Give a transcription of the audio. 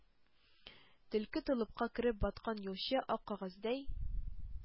Төлке толыпка кереп баткан юлчы ак кәгазьдәй